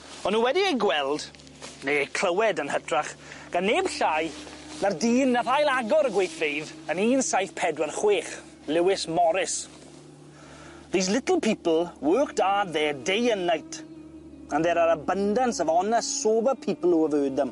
O'n nw wedi ei gweld, neu ei clywed yn hytrach gan neb llai na'r dyn nath ail agor y gweithfeydd yn un saith pedwar chwech, Lewis Morris. These little people worked 'ard there day an' night, and there are abundance of onest, sober people who have eard them.